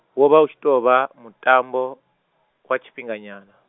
wo vha u tshi tou vha mutambo, wa tshifhinganyana.